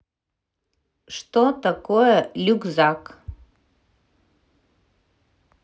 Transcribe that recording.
что такое люкзак